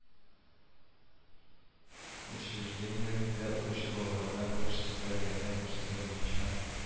Учреждениеләрендә укучы балалардан тыш социаль ярдәм күрсәтә буенча